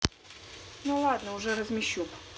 ну ладно уже размещу